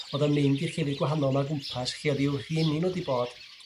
O'dd o'n mynd i'r llefydd gwahanol 'ma' o gwmpas lle o'dd u'w'r rhieni nhw 'di bod.